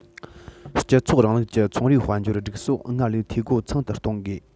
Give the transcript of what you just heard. སྤྱི ཚོགས རིང ལུགས ཀྱི ཚོང རའི དཔལ འབྱོར སྒྲིག སྲོལ སྔར ལས འཐུས སྒོ ཚང དུ གཏོང དགོས